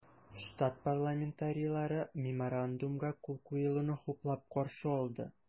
Штат парламентарийлары Меморандумга кул куелуны хуплап каршы алды.